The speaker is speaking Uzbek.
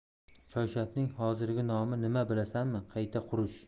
choyshabning hozirgi nomi nima bilasanmi qayta qurish